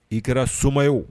I kɛra soma ye o